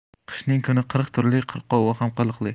qishning kuni qirq turli qirqovi ham qiliqli